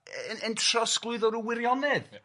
yn yn trosglwyddo r'w wirionedd. Ia.